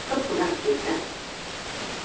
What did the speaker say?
qip qizarib ketdi